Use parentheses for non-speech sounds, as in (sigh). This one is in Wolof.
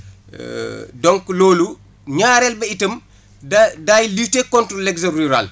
(hesitation) donc loolu ñaareel ba itam daay daay lutter contre l' exode rurale